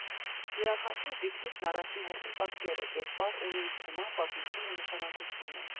Յուրաքանչյուր տիկնիկն առաջին հերթին պատկեր է, կերպար, ունի իր թեման, պատմությունը, նշանակությունը։